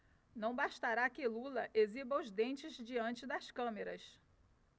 não bastará que lula exiba os dentes diante das câmeras